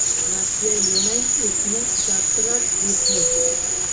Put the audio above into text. nasiya yemang etni qizartirar betni